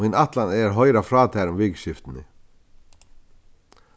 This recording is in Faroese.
mín ætlan er at hoyra frá tær um vikuskiftini